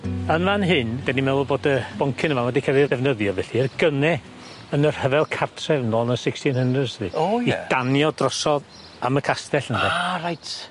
Yn fan hyn, 'dan ni'n meddwl bod y boncyn yma wedi ca'l ei ddefnyddio felly yy gynne yn y rhyfel cartref nôl yn y sixteen hundreds 'sti? O ie. I danio drosodd am y castell ynde? A reit.